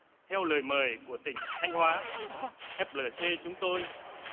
theo lời mời của tỉnh thanh hóa ép lờ xê chúng tôi